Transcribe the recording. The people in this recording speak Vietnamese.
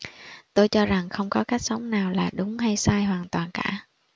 tôi cho rằng không có cách sống nào là đúng hay sai hoàn toàn cả